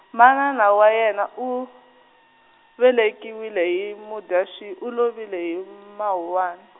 manana wa yena u velekiwile hi Mudyaxihi u lovile hi Mawuwani .